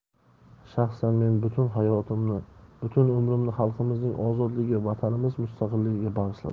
shaxsan men butun hayotimni butun umrimni xalqimizning ozodligiga vatanimiz mustaqilligiga bag'ishladim